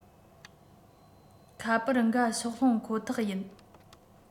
ཁ པར འགའ ཕྱོགས ལྷུང ཁོ ཐག ཡིན